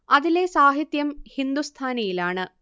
അതിലെ സാഹിത്യം ഹിന്ദുസ്ഥാനിയിലാണ്